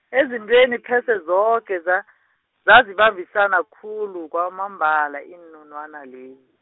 ezintweni pheze zoke, za- zazibambisana khulu kwamambala, iinunwana le-.